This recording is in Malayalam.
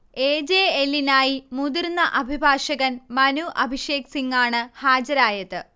എ. ജെ. എല്ലിനായി മുതിർന്ന അഭിഭാഷകൻ മനു അഭിഷേക് സിങ്ങാണ് ഹാജരായത്